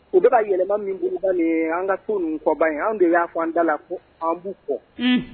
U bɛka yɛlɛma min boloda ni ye , an ka to ninnu kɔ ban an de y'a fɔ an da la ko an b'u kɔ, unhun